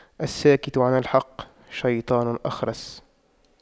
الساكت عن الحق شيطان أخرس